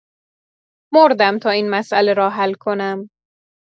مردم تا این مسئله را حل کنم